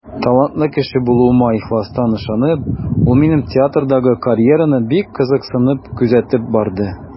Талантлы кеше булуыма ихластан ышанып, ул минем театрдагы карьераны бик кызыксынып күзәтеп барды.